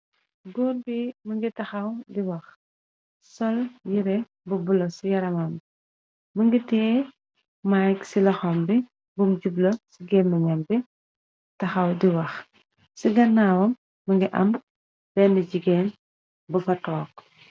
Góor bi mëngi taxaw di wax sol yere bu bulo ci yaramam bi më ngi tee maige ci loxom bi bum jubla ci gémbeñambi taxaw di wax ci gannaawam mëngi am benn jigéen bu fa tonke.